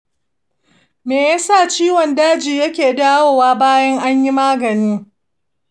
me yasa ciwon daji yake dawowa bayan an yi magani?